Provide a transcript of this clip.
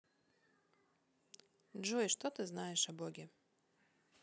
джой что ты знаешь о боге